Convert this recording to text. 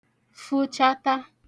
fụchata